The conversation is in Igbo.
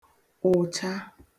ụ̀cha